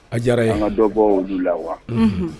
A diyara yanga dɔbɔ olu la wa